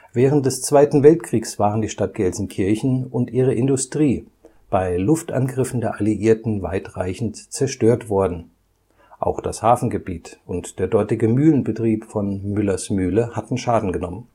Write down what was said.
Während des Zweiten Weltkriegs waren die Stadt Gelsenkirchen und ihre Industrie bei Luftangriffen der Alliierten weitreichend zerstört worden, auch das Hafengebiet und der dortige Mühlenbetrieb von Müllers’ s Mühle hatten Schaden genommen